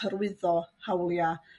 hyrwyddo hawlia'